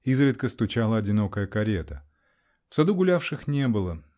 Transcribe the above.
изредка стучала одинокая карета. В саду гулявших не было.